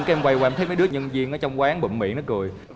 cái em quay qua thấy mấy đứa nhân viên trong quán đụng miệng nó cười